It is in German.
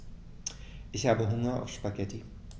Ich habe Hunger auf Spaghetti.